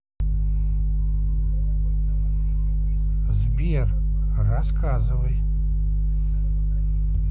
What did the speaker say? сбер рассказывай